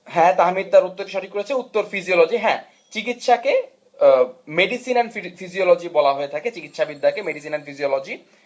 হ্যাঁ তাহমিদ তার উত্তরটি সঠিক করেছে উত্তরটি ফিজিওলজি হ্যাঁ চিকিৎসাকে মেডিসিন এন্ড ফিজিওলজি বলা হয়ে থাকে চিকিৎসাবিদ্যা একটা মেডিসিন এন্ড ফিজিওলজি